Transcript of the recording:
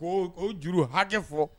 Ko o juru ha hakɛtɛ fɔ